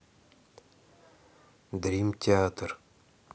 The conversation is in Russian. дрим театр